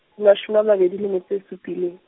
mashome a mabedi le metso e supileng.